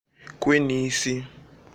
kwē isi